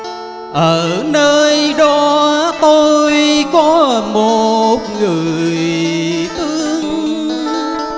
ở nơi đó tôi có một người thương